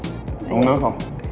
uống nước không